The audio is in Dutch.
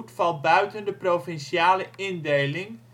valt buiten de provinciale indeling